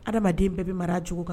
Adamadamaden bɛɛ bɛ mara jugu kan